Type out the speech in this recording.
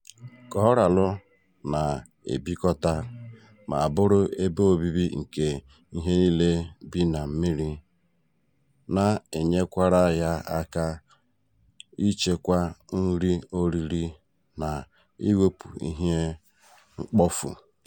Koraalụ na-ebikọta ma bụrụ ebe obibi nke ihe nille bị na mmiri na-enyekwara ya aka ịchekwa nri oriri na iwepụ ihe mkpofu.